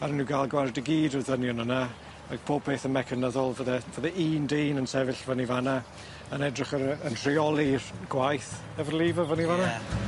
a ro'n n'w ga'l gwared i gyd o'r ddynion yna ac pob peth yn mecanyddol fydde fydde un dyn yn sefyll fyny fan 'na yn edrych ar yy yn rheoli'r gwaith efo'r lever fyny fan 'na.. Ie.